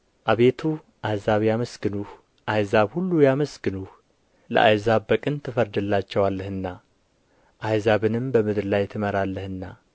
አቤቱ አሕዛብ ያመስግኑህ አሕዛብ ሁሉ ያመስግኑህ ለአሕዛብ በቅን ትፈርድላቸዋለህና አሕዛብንም በምድር ላይ ትመራለህና